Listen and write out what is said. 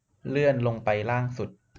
เลื่อนลงไปล่างสุด